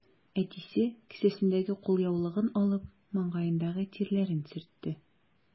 Әтисе, кесәсендәге кулъяулыгын алып, маңгаендагы тирләрен сөртте.